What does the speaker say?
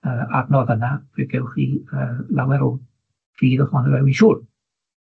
yy adnodd yna, fe gewch chi yy lawer o ffydd ohono fe wi'n